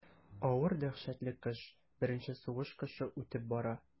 Авыр дәһшәтле кыш, беренче сугыш кышы үтеп бара.